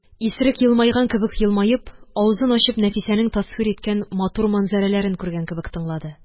Исерек елмайган кебек елмаеп, авызын ачып Нәфисәнең тасвир иткән матур манзарәләрен күргән кебек тыңлады.